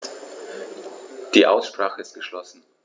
Die Aussprache ist geschlossen.